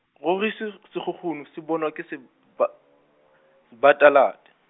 ruri se- sekgukguni se bonwa ke seba-, sebataladi.